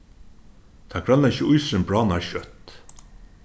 tann grønlendski ísurin bráðnar skjótt